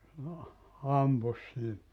ampui siinä